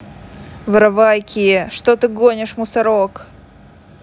воровайки что ты гонишь мусорок